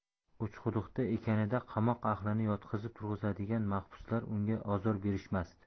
uchquduqda ekanida qamoq ahlini yotqizib turg'izadigan mahbuslar unga ozor berishmasdi